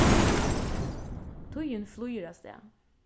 tíðin flýgur avstað